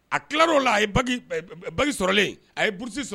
A tila dɔw la a ye ba sɔrɔlen a yeurusi sɔrɔ